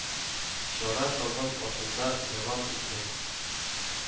Чара табын артында дәвам итте